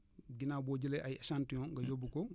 ginnaaw boo jëlee ay échantillons nga yóbbu ko